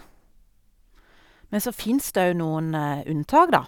Men så fins der òg noen unntak, da.